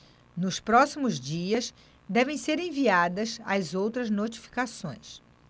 nos próximos dias devem ser enviadas as outras notificações